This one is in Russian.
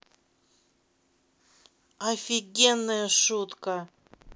офигенная шутка